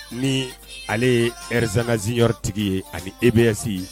Ni ale ye zkaziyɔrɔ tigi ye ani e bɛsi ye